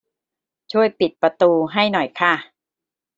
ช่วยปิดประตูให้หน่อยค่ะ